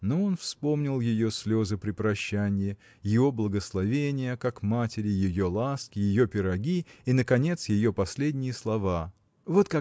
но он вспомнил ее слезы при прощанье ее благословения как матери ее ласки ее пироги и наконец ее последние слова Вот